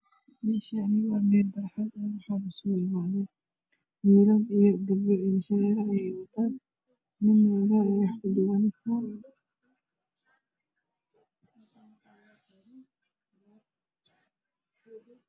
Meshani waa mel barxad ah waxa iskuku imadan wlll io gabdho indho sharero eey watan midna lugaha ayeey wax kudubanesa